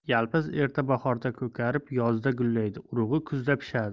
yalpiz erta bahorda ko'karib yozda gullaydi urug'i kuzda pishadi